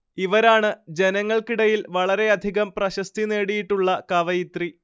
ഇവരാണ് ജനങ്ങൾക്കിടയിൽ വളരെയധികം പ്രശസ്തി നേടിയിട്ടുള്ള കവയിത്രി